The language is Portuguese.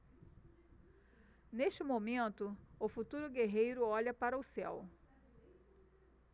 neste momento o futuro guerreiro olha para o céu